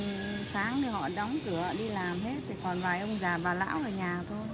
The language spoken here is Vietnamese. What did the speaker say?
sáng thì họ đóng cửa họ đi làm hết rồi còn vài ông già bà lão ở nhà thôi